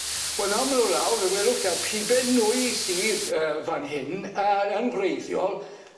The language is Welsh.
Wel nawr my' nw lawr fe welwch taw pibe nwy sydd yy fan hyn yy yn gwreiddiol